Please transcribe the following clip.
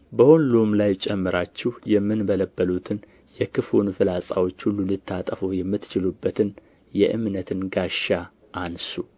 በሁሉም ላይ ጨምራችሁ የሚንበለበሉትን የክፉውን ፍላጻዎች ሁሉ ልታጠፉ የምትችሉበትን የእምነትን ጋሻ አንሡ